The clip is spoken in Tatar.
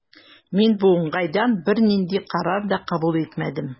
Мин бу уңайдан бернинди карар да кабул итмәдем.